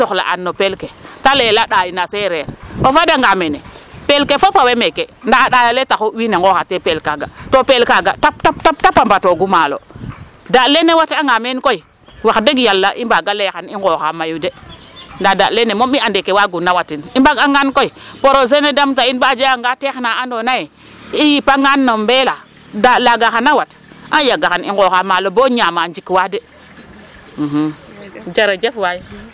Ta layel a ɗaay na seereer, o fadanga mene peel ke fop o wey meeke ndaa a ɗaay ale taxu wiin we nqooxatee peel kaaga to peel kaaga tap tap a mbatoogu maalo. Daaƭ lene watanga men koy wax deg yala waagaam o lay ee kan i nqooxaq mayu de ndqa daaƭ lene moom i ande ke waaguna watin i mbaagangaan koy porose ne damta in ba jeganga teex na andoona yee i yipangaan na mbeel la daaƭ laaga xaya wat e yaaga xay i nqooxaa maalo bo ñaamaa njikwaa de jarajaf waay.